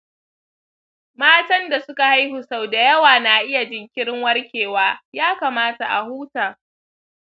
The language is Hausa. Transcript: matan da suka haihu sau da yawa na iya jinkirin warkewa, ya kamata a huta.